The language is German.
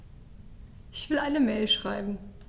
Ich will eine Mail schreiben.